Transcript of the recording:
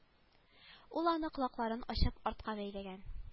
Ул аны колакларын ачып артка бәйләгән